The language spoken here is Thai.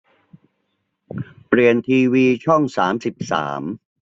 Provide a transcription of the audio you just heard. เปลี่ยนทีวีช่องสามสิบสาม